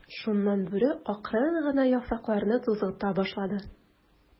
Шуннан Бүре акрын гына яфракларны тузгыта башлады.